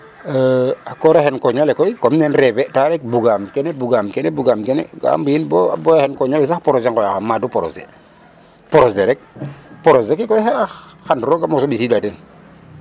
xa kora xen koña le koy comme nen rever ta rek bugaam kene bugam kene bugam kene ga mbi in bo a koña le sax projet ŋoya xam Madou Projet projet rek projet ke koy ax xan roga mbisi daden